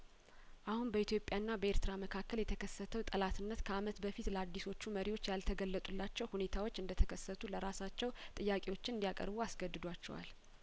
አሁን በኢትዮጵያ ና በኤርትራ መካከል የተከሰተው ጠላትነት ከአመት በፊት ለአዲሶቹ መሪዎች ያልተገለጡላቸው ሁኔታዎች እንደተከሰቱ ለራሳቸው ጥያቄዎችን እንዲ ያቀርቡ አስገድዷቸዋል